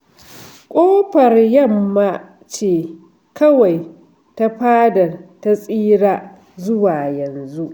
ƙofar yamma ce kawai ta fadar ta tsira zuwa yanzu.